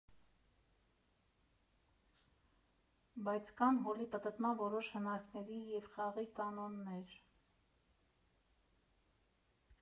Բայց կան հոլի պտտման որոշ հնարքներ և խաղի կանոններ։